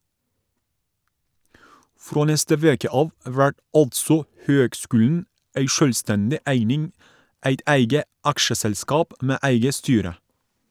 Frå neste veke av vert altså høgskulen ei sjølvstendig eining, eit eige aksjeselskap med eige styre.